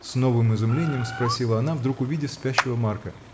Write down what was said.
— с новым изумлением спросила она, вдруг увидев спящего Марка.